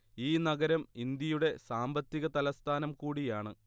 ഈ നഗരം ഇന്ത്യയുടെ സാമ്പത്തിക തലസ്ഥാനം കൂടിയാണ്